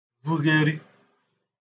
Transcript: vugeri